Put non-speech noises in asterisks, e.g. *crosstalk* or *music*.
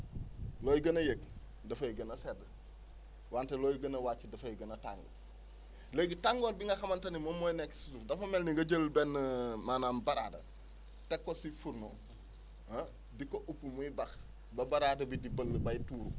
looy gën a yéeg dafay gën a seddwante looy gën a wàcc dafay gën a tàng léegi tàngoor bi nga xamante ne moom mooy nekk si suuf dafa mel ni nga jël benn *hesitation* maanaam baraada teg ko ci fourneau ah di ko upp muy bax ba baraada bi di bël bal tuuru